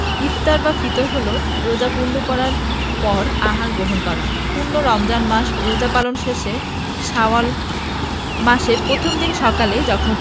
ইফতার বা ফিতর হলো রোজা পূর্ণ করার পর আহার গ্রহণ করা পূর্ণ রমজান মাস রোজা পালন শেষে শাওয়াল মাসের প্রথম দিন সকালে যখন